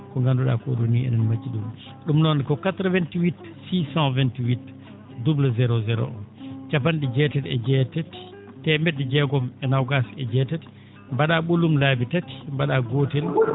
ko ngandu?aa ko?oni enen majji ?um ?um noon ko 88 628 00 01 cappan?e jeetati e jeetati teemed?e jeegom e noogaas e jaatati mba?aa ?olum laabi tati mba?aa gotel